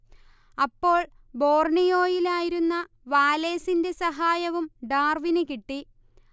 അപ്പോൾ ബോർണിയോയിലായിരുന്ന വാലേസിന്റെ സഹായവും ഡാർവിന് കിട്ടി